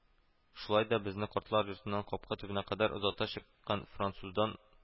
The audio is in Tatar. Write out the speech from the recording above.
Шулай да безне картлар йортының капка төбенә кадәр озата чыккан француздан